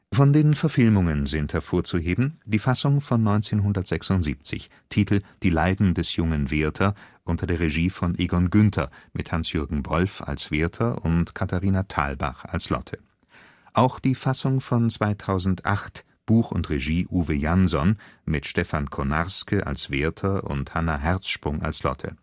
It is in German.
Von den Verfilmungen sind hervorzuheben: die Fassung von 1976 (Titel: Die Leiden des jungen Werther) unter der Regie von Egon Günther, mit Hans-Jürgen Wolf als Werther und Katharina Thalbach als Lotte. Auch die Fassung von 2008 (Buch und Regie: Uwe Janson), mit Stefan Konarske als Werther und Hannah Herzsprung als Lotte